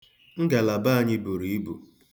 Ngalaba anyị buru ibu.